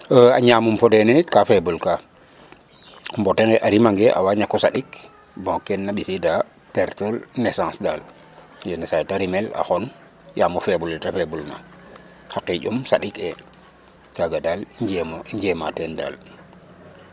A ñaamum fodee neen yit ka faible ka o mbote nqe a rimange a waa ñak o saɗik bon kene na ɓisiidaa perdre naisance daal yenisaay ta rimel a xon yaam o faible ne ta faible na xa qiƴum saɗikee kaga daal i njema teen daal.